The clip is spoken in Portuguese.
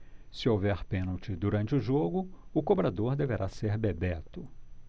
se houver pênalti durante o jogo o cobrador deverá ser bebeto